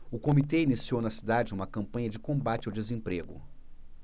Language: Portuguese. o comitê iniciou na cidade uma campanha de combate ao desemprego